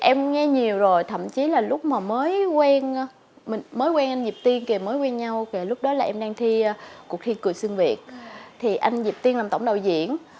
em nghe nhiều rồi thậm chí là lúc mà mới quen mình mới quen anh diệp tiên kìa mới quen nhau kìa lúc đó là em đang thi cuộc thi cười xuyên việt thì anh diệp tiên làm tổng đạo diễn